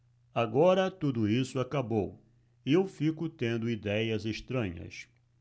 agora tudo isso acabou e eu fico tendo idéias estranhas